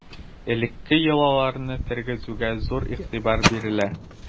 Элекке йолаларны тергезүгә зур игътибар бирелә.